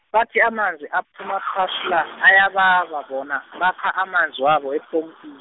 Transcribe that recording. bathi amanzi aphuma phasi la, ayababa bona , bakha amanzi wabo epompi-.